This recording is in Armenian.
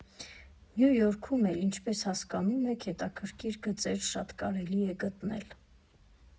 Նյու Յորքում էլ, ինչպես հասկանում եք, հետաքրքիր գծեր շատ կարելի է գտնել։